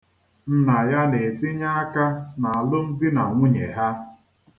Nna ya na-etinye aka n'alụmdinanwunye ha.